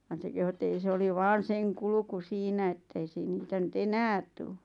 vaan se kehui että ei se oli vain sen kulku siinä että ei - niitä nyt enää tule